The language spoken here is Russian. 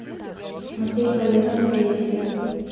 смотреть валера медведь